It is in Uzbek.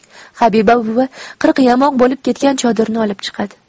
habiba buvi qirq yamoq bo'lib ketgan chodirni olib chiqadi